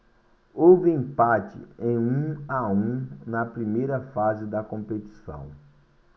houve empate em um a um na primeira fase da competição